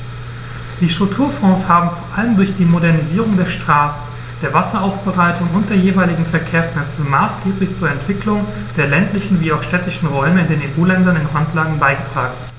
Die Strukturfonds haben vor allem durch die Modernisierung der Straßen, der Wasseraufbereitung und der jeweiligen Verkehrsnetze maßgeblich zur Entwicklung der ländlichen wie auch städtischen Räume in den EU-Ländern in Randlage beigetragen.